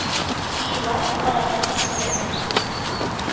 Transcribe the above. Шулай ук карагыз үзгәртү